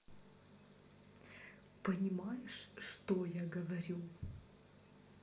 понимаешь что я говорю